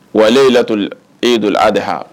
Wa ale y ye lato e ye don a deh